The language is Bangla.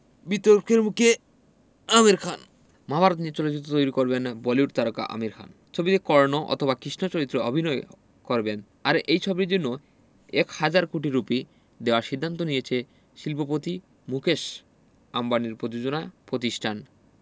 বিতর্কের মুখে আমির খান মহাভারত নিয়ে চলচ্চিত্র তৈরি করবেন বলিউড তারকা আমির খান ছবিতে কর্ণ অথবা কিষ্ণ চরিত্রে অভিনয় করবেন আর এই ছবির জন্য এক হাজার কোটি রুপি দেওয়ার সিদ্ধান্ত নিয়েছে শিল্পপতি মুকেশ আম্বানির পযোজনা প্রতিষ্ঠান